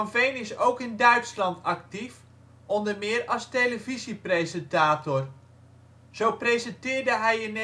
Veen is ook in Duitsland actief, onder meer als televisiepresentator. Zo presenteerde hij in